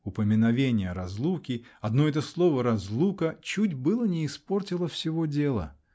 Упоминовение разлуки -- одно это слово "разлука" -- чуть было не испортило всего дела.